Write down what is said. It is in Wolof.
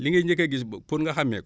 li ngay njëkk a gis pour nga xàmmee ko